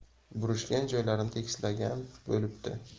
burishgan joylarini tekislagan bo'libdi